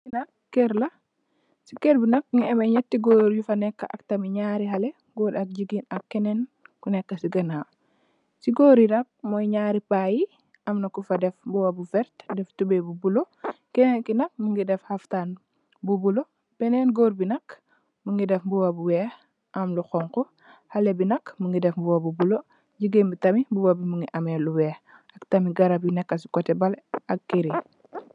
Ii nak ape kerla mugi ame njati Goor yu fi neke am tamit njari xale Goor ak gigen am kuneke ci ganaw ci Goor ye nak mouy njari payi amna kufa def mbuba bu wert toubey bu boula kenen ki nak mungi def xaftan bu bula benén Goor bi nak mungi def mbuba bu wex am xonxu am lu wex